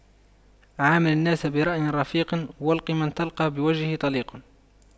عامل الناس برأي رفيق والق من تلقى بوجه طليق